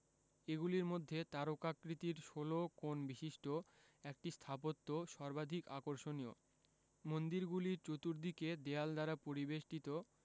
এগুলির মধ্যে তারকাকৃতির ষোল কোণ বিশিষ্ট একটি স্থাপত্য সর্বাধিক আকর্ষণীয় মন্দিরগুলির চতুর্দিকে দেয়াল দ্বারা পরিবেষ্টিত